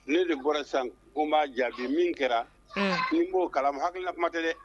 Ne de bɔra san ko b'a jaabi min kɛra nin b'o kalamu hakilakumatɛ dɛ